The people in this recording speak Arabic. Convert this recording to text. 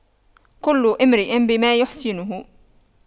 كل امرئ بما يحسنه